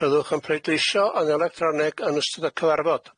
Byddwch yn bleudleisio yn electroneg yn ystod y cyfarfod.